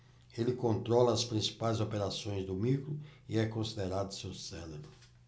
ele controla as principais operações do micro e é considerado seu cérebro